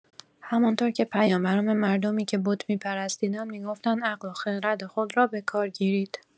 همانطور که پیامبران به مردمی که بت می‌پرستیدند می‌گفتند عقل و خرد خودرا بکار گیرید.